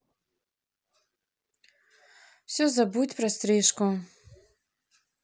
все забудь про стрижку